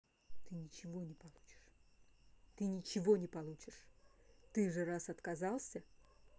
ты ничего не получишь ты же раз отказался